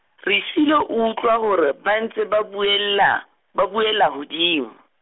Refilwe o utlwa hore ba ntse ba buela, ba buela hodimo.